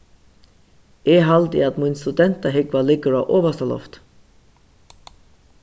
eg haldi at mín studentahúgva liggur á ovasta lofti